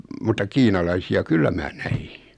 mutta kiinalaisia kyllä minä näin